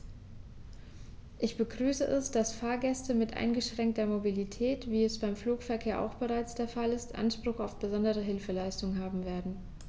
Ich begrüße es, dass Fahrgäste mit eingeschränkter Mobilität, wie es beim Flugverkehr auch bereits der Fall ist, Anspruch auf besondere Hilfeleistung haben werden.